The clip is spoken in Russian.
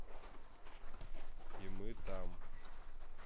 и мы там